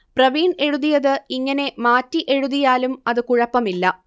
പ്രവീൺ എഴുതിയത് ഇങ്ങനെ മാറ്റി എഴുതിയാലും അത് കുഴപ്പമില്ല